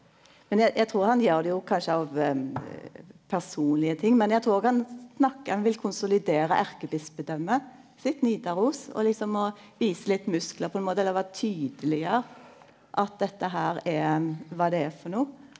men eg eg trur han gjer det jo kanskje av personlege ting men eg trur òg han snakkar han vil konsolidere erkebispedømmet sitt Nidaros og liksom å vise litt musklar på ein måte eller tydeleggjere at dette her er kva det er for noko.